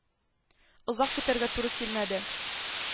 Озак көтәргә туры килмәде